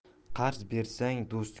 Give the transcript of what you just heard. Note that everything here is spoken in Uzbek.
qarz bersang do'st